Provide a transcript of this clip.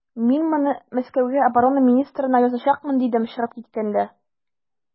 Мин моны Мәскәүгә оборона министрына язачакмын, дидем чыгып киткәндә.